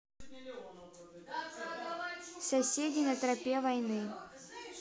соседи на тропе войны